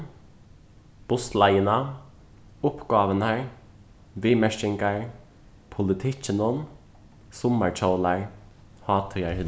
bussleiðina uppgávurnar viðmerkingar politikkinum summarkjólar hátíðarhildu